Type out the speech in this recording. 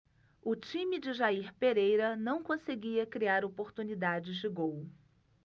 o time de jair pereira não conseguia criar oportunidades de gol